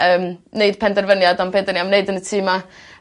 yym neud penderfyniad am be' 'dan ni am neud yn y tŷ 'ma